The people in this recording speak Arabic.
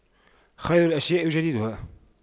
خير الأشياء جديدها